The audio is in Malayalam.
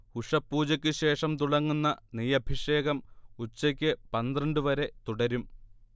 ഉഷഃപൂജക്കുശേഷം തുടങ്ങുന്ന നെയ്യഭിഷേകം ഉച്ചക്ക് പന്ത്രണ്ടു വരെ തുടരും